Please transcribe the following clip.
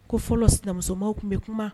Ko fɔlɔ sinamusomɔgɔw tun bɛ kuma